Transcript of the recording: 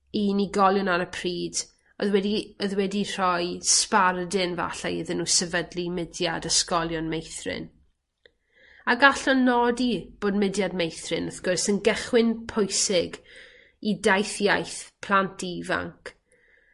i unigolion ar y pryd oedd wedi oedd wedi rhoi sbardun falle iddyn nw sefydlu mudiad ysgolion meithrin ag allwn nodi bod mudiad meithrin wrth gwrs yn gychwyn pwysig i daith iaith plant ifanc